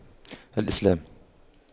الإسلام